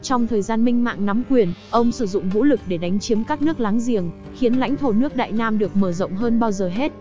trong thời gian minh mạng nắm quyền ông sử dụng vũ lực để đánh chiếm các nước láng giềng khiến lãnh thổ nước đại nam được mở rộng hơn bao giờ hết